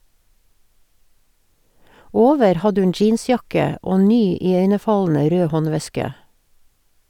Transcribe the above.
Over hadde hun jeansjakke og ny iøynefallende rød håndveske.